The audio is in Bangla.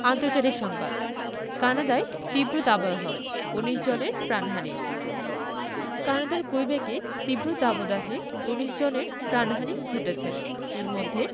আন্তর্জাতিক সংবাদ কানাডায় তীব্র দাবদাহ ১৯ জনের প্রাণহানি কানাডার কুইবেকে তীব্র দাবদাহে ১৯ জনের প্রাণহানি ঘটেছে এর মধ্যে